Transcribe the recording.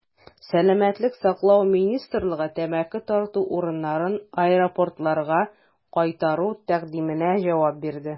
Сәламәтлек саклау министрлыгы тәмәке тарту урыннарын аэропортларга кайтару тәкъдименә җавап бирде.